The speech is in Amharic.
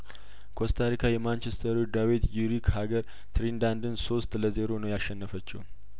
ኮስታሪካ የማንቸስተሩ ደዌይት ዩሪክ ሀገር ትሪንዳንድን ሶስት ለዜሮ ነው ያሸነፈችው